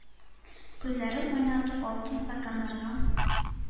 Күзләрен уйнатып, алтын стаканнарга